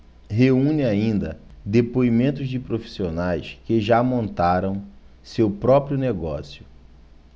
reúne ainda depoimentos de profissionais que já montaram seu próprio negócio